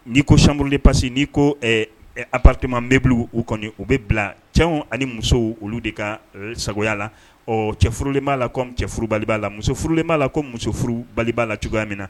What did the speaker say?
N'i ko sauru de pasi n'i ko aprtima bɛbili u kɔni u bɛ bila cɛw ani musow olu de ka sagogoya la ɔ cɛorolen b'a la cɛf bali la musoflen b'a la ko musof bali'a la cogoya min na